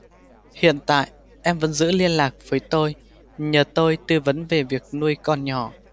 hiện tại em vẫn giữ liên lạc với tôi nhờ tôi tư vấn về việc nuôi con nhỏ